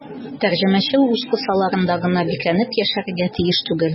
Тәрҗемәче үз кысаларында гына бикләнеп яшәргә тиеш түгел.